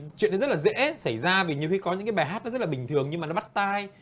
chuyện đấy rất là dễ xáy ra vì nhiều khi có những bài hát nó rất là bình thường nhưng mà nó bắt tai